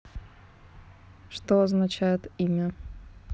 что означает имя